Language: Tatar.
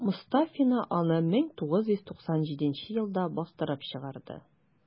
Мостафина аны 1997 елда бастырып чыгарды.